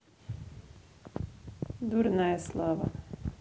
дурная слава